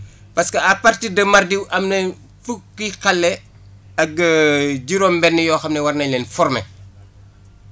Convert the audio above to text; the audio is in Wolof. parce que à partir de mardi am na fukki xale ak juróom-benn yoo xam ne war nañ leen former